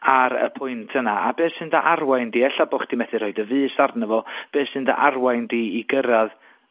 ar y pwynt yna, a be' sy'n dy arwain di ella bo' chdi methu rhoi dy fys arno fo be' sy'n dy arwain di i gyrradd